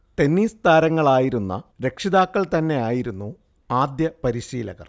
tennis താരങ്ങളായിരുന്ന രക്ഷിതാക്കൾ തന്നെയായിരുന്നു ആദ്യപരിശീലകർ